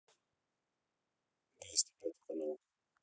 двести пятый канал